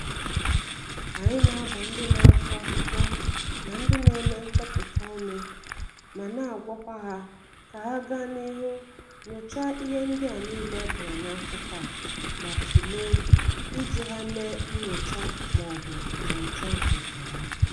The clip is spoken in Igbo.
Anyị na-agba ndị na-agụ akwụkwọ na ndị na-eme nchọpụta ume ma na-agwa kwa ha ka ha gaa n'ihu nyochaa ihendị a niile e dere n'akwụkwọ a ma tulee iji ha mee nyocha maọbụ nchọcha nke ha.